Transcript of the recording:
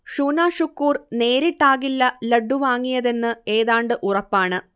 ഷൂനാ ഷുക്കൂർ നേരിട്ടാകില്ല ലഡ്ഡു വാങ്ങിയത് എന്നത് ഏതാണ്ട് ഉറപ്പാണ്